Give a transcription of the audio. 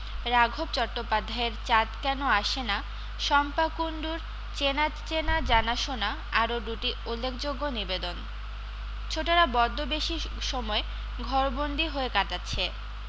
রাঘব চট্টোপাধ্যায়ের চাঁদ কেন আসে না শম্পা কূণডুর চেনা চেনা জানা শোনা আরও দুটি উল্লেখযোগ্য নিবেদন ছোটরা বডড বেশী সময় ঘরবন্দি হয়ে কাটাচ্ছে